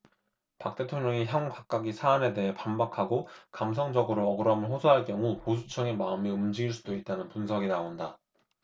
박 대통령이 향후 각각의 사안에 대해 반박하고 감성적으로 억울함을 호소할 경우 보수층의 마음이 움직일 수도 있다는 분석이 나온다